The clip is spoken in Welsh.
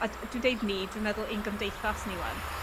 A d- dwi deud ni dwi'n meddwl ein gymdeithas ni wan.